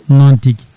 noon tigui